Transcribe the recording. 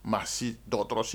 Maa si dɔgɔ dɔgɔtɔrɔsi